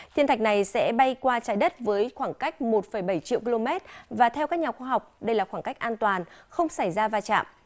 thiên thạch này sẽ bay qua trái đất với khoảng cách một phẩy bảy triệu ki lô mét và theo các nhà khoa học đây là khoảng cách an toàn không xảy ra va chạm